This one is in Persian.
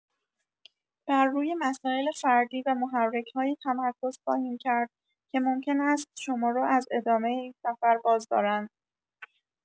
برروی مسائل فردی و محرک‌هایی تمرکز خواهیم کرد که ممکن است شما را از ادامه این سفر بازدارند.